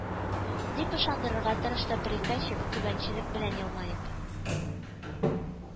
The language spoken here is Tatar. Дип ышандырырга тырышты приказчик, түбәнчелек белән елмаеп